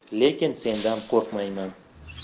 lekin sendan qo'rqmayman